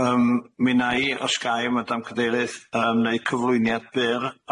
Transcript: Yym mi 'na i os ga i Madam Cadeirydd yy neud cyflwyniad byr